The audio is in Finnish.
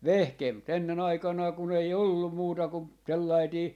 - mutta ennen aikanaan kun ei ollut muuta kuin sellainen